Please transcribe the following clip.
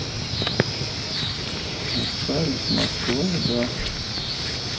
остались москва да